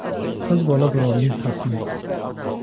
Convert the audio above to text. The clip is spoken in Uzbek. qiz bola birovning xasmi